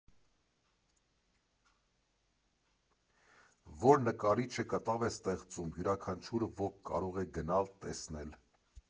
Որ նկարիչը կտավ է ստեղծում, յուրաքանչյուր ոք կարող է գնալ, տեսնել։